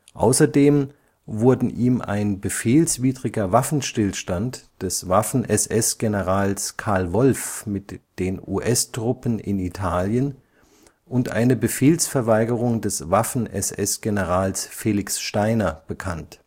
Außerdem wurden ihm ein befehlswidriger Waffenstillstand des Waffen-SS-Generals Karl Wolff mit den US-Truppen in Italien und eine Befehlsverweigerung des Waffen-SS-Generals Felix Steiner bekannt